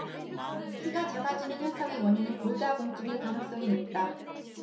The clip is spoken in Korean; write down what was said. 키가 작아지는 현상의 원인은 골다공증일 가능성이 높다